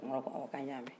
tunkaraw ko awɔ ko an y' a mɛn